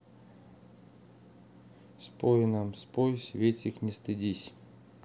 спой нам спой светик не стыдись